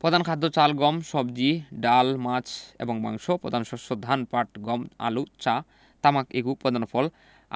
প্রধান খাদ্যঃ চাল গম সবজি ডাল মাছ এবং মাংস প্রধান শস্যঃ ধান পাট গম আলু চা তামাক ইক্ষু প্রধান ফলঃ